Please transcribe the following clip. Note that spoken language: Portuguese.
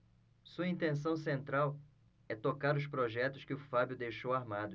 sua intenção central é tocar os projetos que o fábio deixou armados